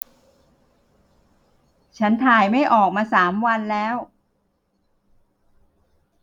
ฉันถ่ายไม่ออกมาสามวันแล้ว